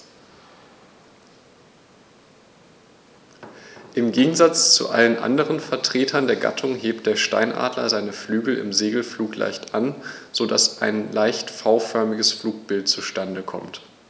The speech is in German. Im Gegensatz zu allen anderen Vertretern der Gattung hebt der Steinadler seine Flügel im Segelflug leicht an, so dass ein leicht V-förmiges Flugbild zustande kommt.